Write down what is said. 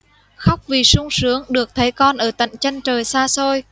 khóc vì sung sướng được thấy con ở tận chân trời xa xôi